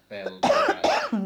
peltoja ja